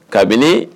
Kabini